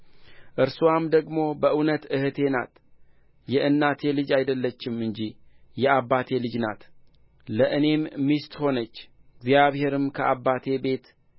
እርስዋም ደግሞ በእውነት እኅቴ ናት የእናቴ ልጅ አይደለችም እንጂ የአባቴ ልጅ ናት ለእኔም ሚስት ሆነች እግዚአብሔርም ከአባቴ ቤት